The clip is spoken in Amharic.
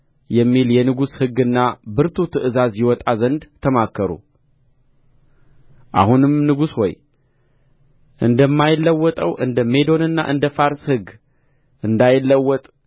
የሚል የንጉሥ ሕግና ብርቱ ትእዛዝ ይወጣ ዘንድ ተማከሩ አሁንም ንጉሥ ሆይ እንደማይለወጠው እንደ ሜዶንና እንደ ፋርስ ሕግ እንዳይለወጥ